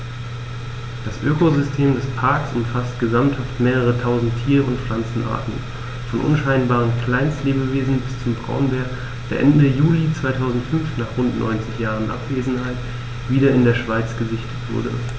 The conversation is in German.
Das Ökosystem des Parks umfasst gesamthaft mehrere tausend Tier- und Pflanzenarten, von unscheinbaren Kleinstlebewesen bis zum Braunbär, der Ende Juli 2005, nach rund 90 Jahren Abwesenheit, wieder in der Schweiz gesichtet wurde.